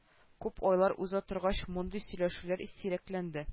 Күп айлар уза торгач мондый сөйләшүләр сирәкләнде